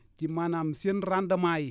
ci maanaam seen rendement yi